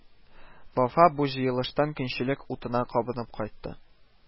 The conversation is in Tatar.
Вафа бу җыелыштан көнчелек утына кабынып кайтты